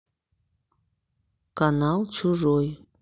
канал чужой